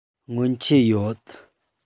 སྔོན ཆད ཡོད